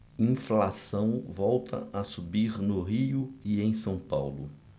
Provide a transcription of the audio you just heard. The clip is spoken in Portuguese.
inflação volta a subir no rio e em são paulo